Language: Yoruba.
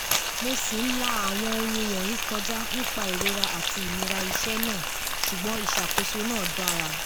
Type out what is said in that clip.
Mo ṣi ń la àwọn ohun wọ̀nyí kọjá nípa ìrora àti ìnira iṣẹ náà ṣùgbọ́n ìṣàkóso náà dára.